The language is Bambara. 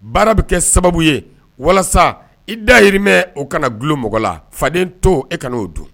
Baara bɛ kɛ sababu ye walasa i dahirimɛ o kana dulo mɔgɔ la faden too e kana o dun